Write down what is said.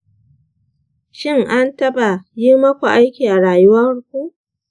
shin an taba yi maku aiki a rayuwarku?